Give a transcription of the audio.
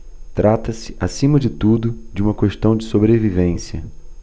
trata-se acima de tudo de uma questão de sobrevivência